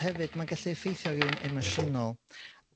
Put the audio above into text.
hefyd, Ma'n gallu effeithio rywun emosiynol,